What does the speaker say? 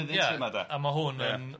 a ma' hwn yn... Ia